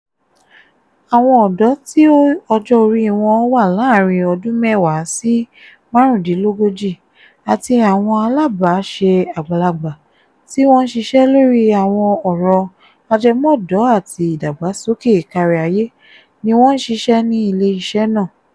Àwọn ọ̀dọ́ tí ọjọ́ orí wọn wà láàárín ọdún mẹ́wàá sí márùndínlógójì àti àwọn alábàáṣe àgbàlagbà tí wọ́n ń ṣiṣẹ́ lórí àwọn ọ̀rọ̀ ajẹmọ́dọ̀ọ́-àti-ìdàgbàsókè káríayé ni wọ́n ń ṣiṣẹ́ ní ilé-iṣẹ́ náà.